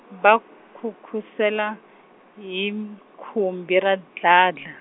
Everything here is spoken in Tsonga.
va nkhunkhusela, hi khumbi ra dladla.